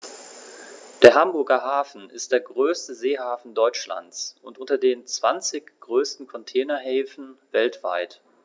Der Hamburger Hafen ist der größte Seehafen Deutschlands und unter den zwanzig größten Containerhäfen weltweit.